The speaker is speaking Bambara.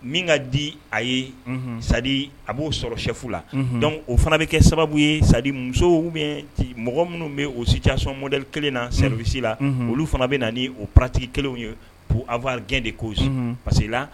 Min ka di a ye. Unhun. C'est à dire a b'o sɔrɔ chef la. Unhun. donc o fana bɛ kɛ sababu ye c'est à dire musow ou bien mɔgɔ minnu bɛ o situation modèle kelen na service la. Unhun. Olu fana bɛ na ni o pratique kelenw ye pour avoir gain de cause . Unhun. parce que la .